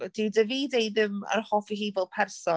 Dyw Davide ddim yn hoffi hi fel person.